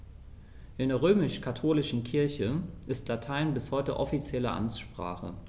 In der römisch-katholischen Kirche ist Latein bis heute offizielle Amtssprache.